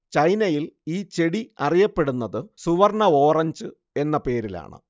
ചൈനയിൽ ഈ ചെടി അറിയപ്പെടുന്നത് സുവർണ്ണ ഓറഞ്ച് എന്ന പേരിലാണ്